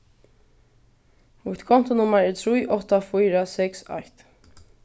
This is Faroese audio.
mítt kontunummar er trý átta fýra seks eitt